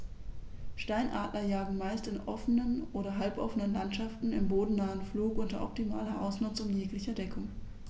Steinadler jagen meist in offenen oder halboffenen Landschaften im bodennahen Flug unter optimaler Ausnutzung jeglicher Deckung.